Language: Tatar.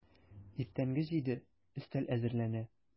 Иртәнге җиде, өстәл әзерләнә.